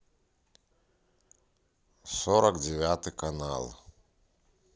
сорок девятый канал